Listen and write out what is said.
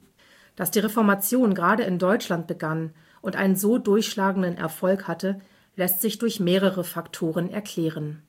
Dass die Reformation gerade in Deutschland begann und einen so durchschlagenden Erfolg hatte, lässt sich durch mehrere Faktoren erklären